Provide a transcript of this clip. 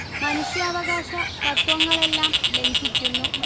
മനുഷ്യാവകാശ തത്വങ്ങളെല്ലാം ലംഘിക്കുന്നു